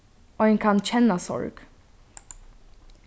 ein kann kenna sorg